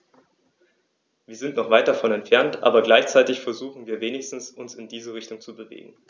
Wir sind noch weit davon entfernt, aber gleichzeitig versuchen wir wenigstens, uns in diese Richtung zu bewegen.